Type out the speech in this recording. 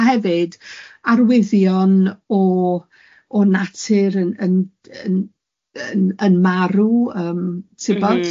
A hefyd arwyddion o, o natur yn yn yn yn marw yym tibod? M-hm.